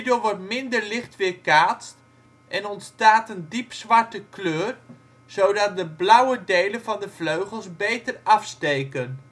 wordt minder licht weerkaatst en ontstaat een diepzwarte kleur zodat de blauwe delen van de vleugels beter afsteken